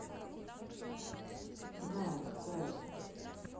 но ко